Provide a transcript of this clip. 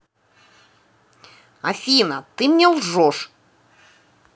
афина ты мне лжешь